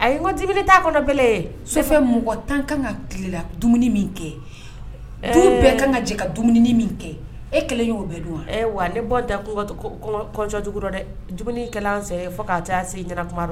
A ye ko j' bɛlɛ ye sofɛ mɔgɔ tan kan ka kila dumuni min kɛ dɔw bɛɛ kan ka jɛ ka dumuni min kɛ e kelen y'o bɛɛ don wa ne bɔ da kunsɔnɔn jugu dɛ dumuni fo k kaa taa sen ɲɛna tuma